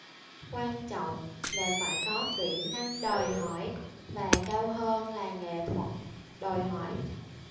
quan trọng là phải có kỹ năng đòi hỏi và cao hơn là nghệ thuật đòi hỏi